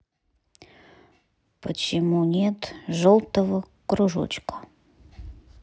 почему нет желтого кружочка